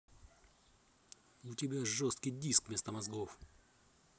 у тебя жесткий диск вместо мозгов